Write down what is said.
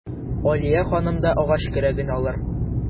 Алия ханым да агач көрәген алыр.